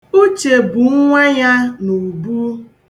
Uche bu nwa ya n'ubu.